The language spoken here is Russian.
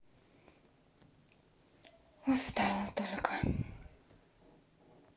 устал только